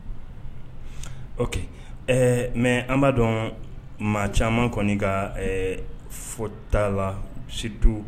Ok ɛɛ mais an b'a dɔɔn maa caaman kɔni ka ɛɛ fɔtala surtout